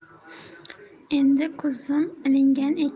endi ko'zim ilingan ekan